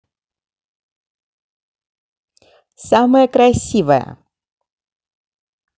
самая красивая